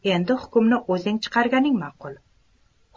endi hukmni o'zing chiqarganing ma'qul